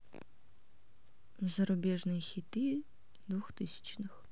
зарубежные хиты двухтысячных